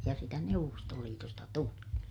ja sitä Neuvostoliitosta tuli